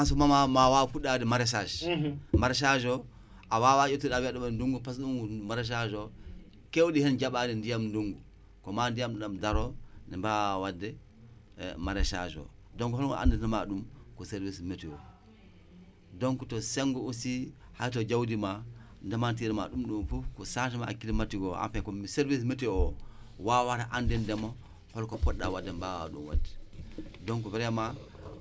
maraichage